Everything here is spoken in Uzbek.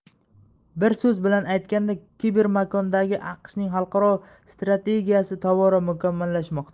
bir so'z bilan aytganda kibermakondagi aqshning xalqaro strategiyasi tobora mukammallashmoqda